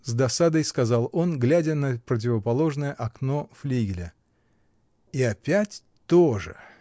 — с досадой сказал он, глядя на противоположное окно флигеля. — И опять то же!